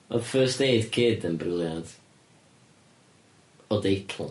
O'dd first aid kid yn brilliant. O deitl.